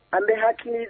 An bɛ hakili